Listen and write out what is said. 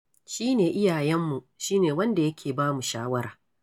Shi ne iyayenmu, shi ne wanda yake ba mu shawara.